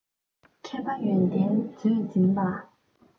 མཁས པ ཡོན ཏན མཛོད འཛིན པ